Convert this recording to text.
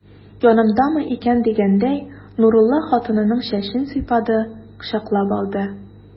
Янымдамы икән дигәндәй, Нурулла хатынының чәчен сыйпады, кочаклап алды.